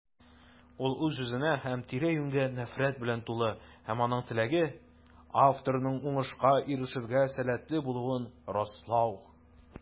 Ул үз-үзенә һәм тирә-юньгә нәфрәт белән тулы - һәм аның теләге: авторның уңышка ирешергә сәләтле булуын раслау.